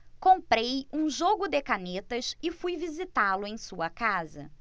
comprei um jogo de canetas e fui visitá-lo em sua casa